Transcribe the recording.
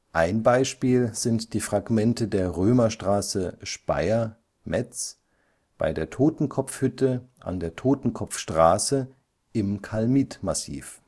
Ein Beispiel sind die Fragmente der Römerstraße Speyer – Metz bei der Totenkopf-Hütte an der Totenkopfstraße im Kalmit-Massiv